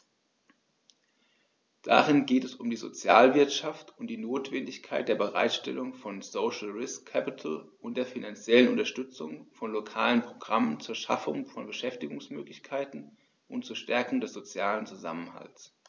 Darin geht es um die Sozialwirtschaft und die Notwendigkeit der Bereitstellung von "social risk capital" und der finanziellen Unterstützung von lokalen Programmen zur Schaffung von Beschäftigungsmöglichkeiten und zur Stärkung des sozialen Zusammenhalts.